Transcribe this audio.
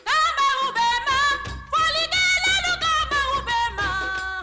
Den' bɛ fɛ fa tɛ tɛ' bɛ ma